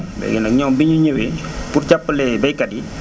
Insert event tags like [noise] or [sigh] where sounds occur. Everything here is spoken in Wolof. [noise] léegi nag ñoom bi ñu ñëwee pour jàppale baykat yi [noise]